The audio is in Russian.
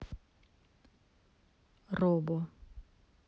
robo